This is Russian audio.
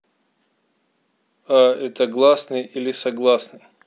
а это гласный или согласный